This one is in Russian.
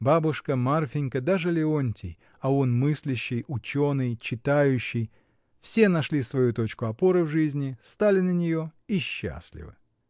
Бабушка, Марфинька, даже Леонтий — а он мыслящий, ученый, читающий — все нашли свою точку опоры в жизни, стали на нее и счастливы.